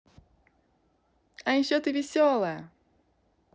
а еще ты веселая